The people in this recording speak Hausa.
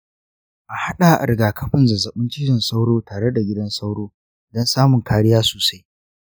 a haɗa riga-kafin zazzaɓin cizon sauro tare da gidan sauro don samun kariya sosai.